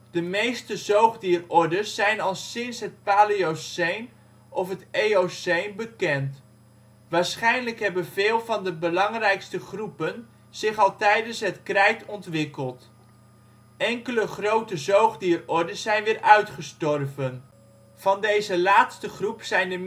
De meeste zoogdierordes zijn al sinds het Paleoceen of het Eoceen bekend; waarschijnlijk hebben veel van de belangrijkste groepen zich al tijdens het Krijt ontwikkeld. Enkele grote zoogdierordes zijn weer uitgestorven. Van deze laatste groep zijn de Meridiungulata